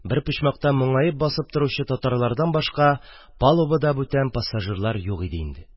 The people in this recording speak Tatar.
Бер почмакта моңаеп басып торучы татарлардан башка палубада пассажирлардан юк иде инде.